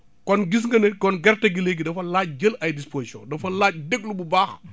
kon gis nga ne kon gerte gi léegi dafa laaj jël ay dispositions dafa laaj déglu bu baax